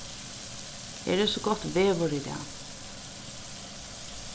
her er so gott veður í dag